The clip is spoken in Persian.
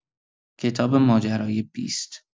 کتاب ماجرای بیست